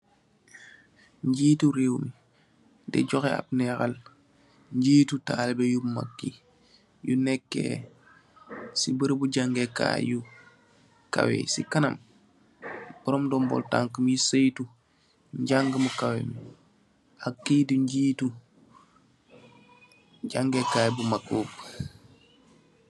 Geetu rewmi di joxe ab nexal, geetu talibe yu magyi, yu neke si barabu jange kai yu kaweyi si kanam borom ndumbul tangke min saitu jange mu kawemi ak kee di ngitul jangee kai bu mag bobu